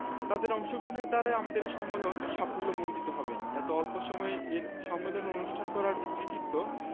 এবং চট্টগ্রামের বিভিন্ন বানিজ্য প্রতিষ্ঠান ও ব্যাংকসমূহ যারা আমাদের এ ব্যাপারে আর্থিক এবং অন্যান্যভাবে সহযোগিতা করেছেন তাঁদের কাছে আমি কৃতজ্ঞ ভদ্রমহিলা ও মহোদয়গণ আমি আপনাদের সাদর স্বাগত জানাই